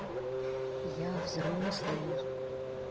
я взрослый